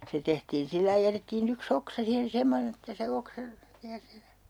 se tehtiin sillä lailla jätettiin yksi oksa siihen semmoinen että se oksa jää siihen